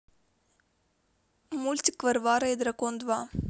мультик варвара и дракон два